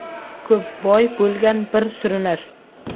ko'p boy bo'lgan bir surinar